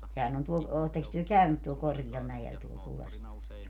sehän on tuo olettekos te käynyt tuolla korkealla mäellä tuolla Kullasvuoressa